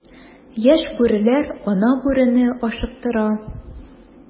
Яшь бүреләр ана бүрене ашыктыра.